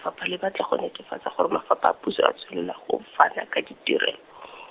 fapha le batla go netefatsa gore mafapha a puso a tswelela go fana ka ditirelo.